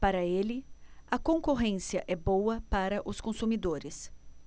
para ele a concorrência é boa para os consumidores